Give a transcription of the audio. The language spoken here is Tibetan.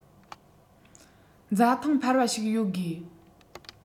འཛའ ཐང འཕར བ ཞིག ཡོད དགོས